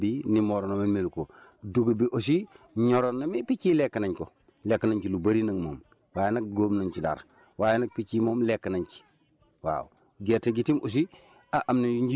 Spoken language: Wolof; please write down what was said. waaw waa ñebe bi ñor na waaye ñebe bi nim waroon a mel melu ko dugub bi aussi ñoroon na mais picc yi lekk nañ ko lekk nañ ci lu bëri nag moom waaye nag góob nañ ci dara waaye nag picc yi moom lekk nañ ci waaw